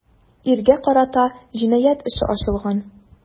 Иргә карата җинаять эше ачылган.